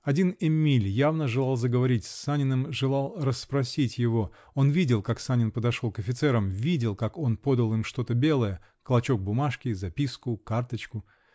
Один Эмиль явно желал заговорить с Саниным, желал расспросить его: он видел, как Санин подошел к офицеам, видел, как он подал им что-то белое -- клочок бумажки, записку, карточку .